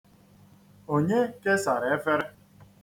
Onye kesara efere?